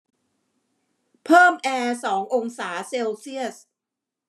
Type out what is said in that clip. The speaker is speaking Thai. เพิ่มแอร์สององศาเซลเซียส